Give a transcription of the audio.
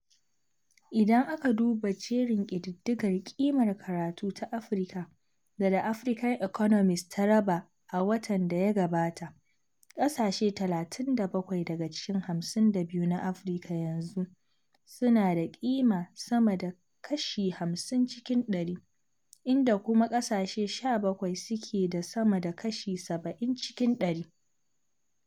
Idan aka duba jerin ƙididdigar ƙimar karatu ta Afrika da The African Economist ta raba a watan da ya gabata, ƙasashe 37 daga cikin 52 na Afrika yanzu suna da ƙima sama da kashi 50 cikin ɗari, inda kuma ƙasashe 17 suke da sama da kashi 70 cikin 100.